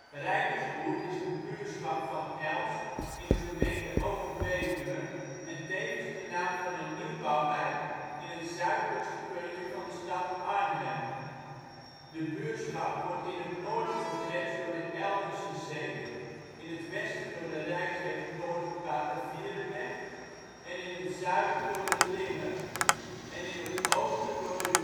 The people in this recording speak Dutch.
Rijkerswoerd is een buurschap van Elst (gemeente Overbetuwe) en tevens de naam van een nieuwbouwwijk in het zuidelijkste puntje van de stad Arnhem. De buurschap wordt in het noorden begrensd door de Eldense Zeeg, in het westen door de Rijksweg Noord - Batavierenweg, in het zuiden door de Linge en in het oosten door de